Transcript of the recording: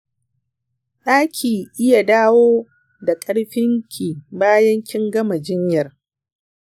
daki iya dawo da karfin ki bayan kin gama jinyar.